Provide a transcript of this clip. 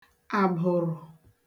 àbụ̀rụ̀